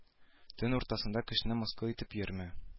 Төн уртасында кешене мыскыл итеп йөрмә